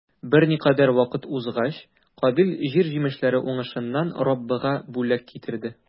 Берникадәр вакыт узгач, Кабил җир җимешләре уңышыннан Раббыга бүләк китерде.